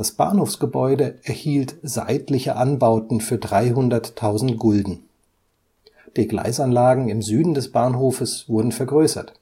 Bahnhofsgebäude erhielt seitliche Anbauten für 300.000 Gulden. Die Gleisanlagen im Süden des Bahnhofes wurden vergrößert